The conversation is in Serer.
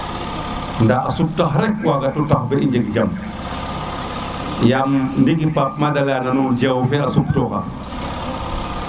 nda a sup tax waga tux bo i njeg jam yam ndiki Pape Made a leya na nuun jewo fe a sup toxa